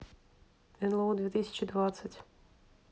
нло две тысячи двадцать